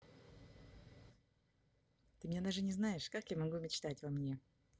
ты меня даже не знаешь как я могу мечтать во мне